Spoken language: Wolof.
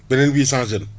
beneen huit cent jeunes